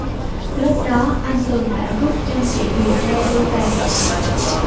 lúc đó anh tường bảo rút chân chị huyền ra đưa vào nhà lạnh